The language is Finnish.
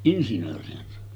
insinöörihän se on